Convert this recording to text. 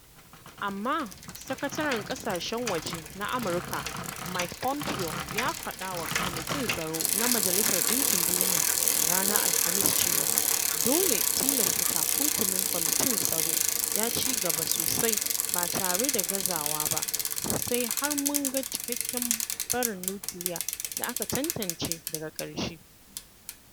Amma, Sakataren Ƙasashen Waje na Amurka Mike Pompeo ya faɗa wa Kwamitin Tsaro na Majalisar Ɗinkin Duniya a ranar Alhamis cewa: “Dole tilasta takunkumin Kwamitin Tsaro ya ci gaba sosai ba tare da gazawa ba sai har mun ga cikekken barin nukiliya da aka tantance daga ƙarshe.”